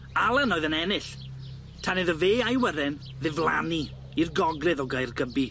Allen oedd yn ennill tan iddo fe a'i wyren ddiflannu i'r gogledd o Gaergybi.